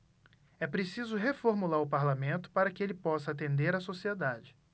é preciso reformular o parlamento para que ele possa atender a sociedade